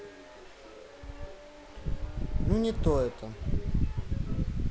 ну не то это